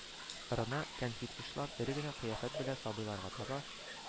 Рына кәнфит учлап, эре генә кыяфәт белән сабыйларга таба